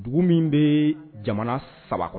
Dugu min bɛ jamana saba kɔnɔ